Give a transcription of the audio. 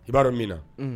I b'a dɔn min na